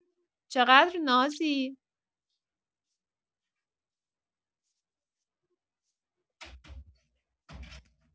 چقدر نازی!